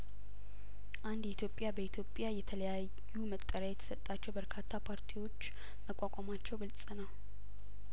አንድ ኢትዮጵያ በኢትዮጵያ የተለያዩ መጠሪያ የተሰጣቸው በርካታ ፓርቲዎች መቋቋማቸው ግልጽ ነው